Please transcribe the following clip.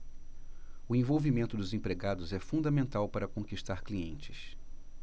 o envolvimento dos empregados é fundamental para conquistar clientes